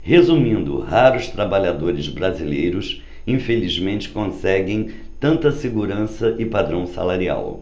resumindo raros trabalhadores brasileiros infelizmente conseguem tanta segurança e padrão salarial